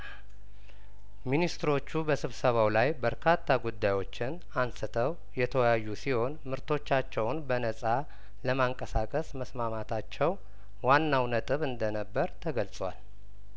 ሚኒስትሮቹ በስብሰባው ላይ በርካታ ጉዳዮችን አንስተው የተወያዩ ሲሆን ምርቶቻቸውን በነጻ ለማንቀሳቀስ መስማማታቸው ዋናው ነጥብ እንደነበር ተገልጿል